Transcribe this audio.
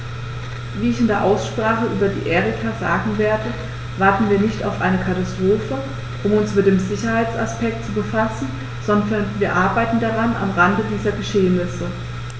Wie ich in der Aussprache über die Erika sagen werde, warten wir nicht auf eine Katastrophe, um uns mit dem Sicherheitsaspekt zu befassen, sondern wir arbeiten daran am Rande dieser Geschehnisse.